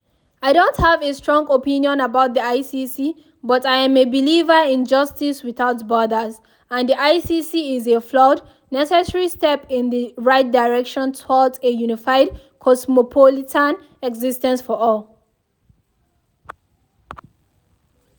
I don't have a strong opinion about the ICC, but I am a believer in justice without borders, and the ICC is a (flawed) necessary step in the right direction towards a unified, cosmopolitan existence for all.